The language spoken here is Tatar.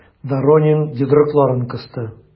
Доронин йодрыкларын кысты.